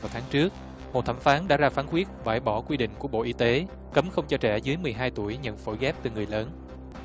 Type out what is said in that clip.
vào tháng trước một thẩm phán đã ra phán quyết bãi bỏ quy định của bộ y tế cấm không cho trẻ dưới mười hai tuổi nhận phôi ghép từ người lớn